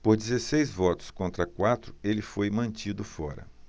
por dezesseis votos contra quatro ele foi mantido fora